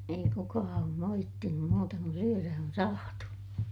ei kukaan ole moittinut muuta kun syödä on saatu